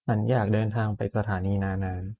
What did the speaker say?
ฉันอยากเดินทางไปสถานีนานา